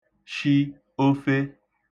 shi ofe